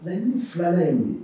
Fara ye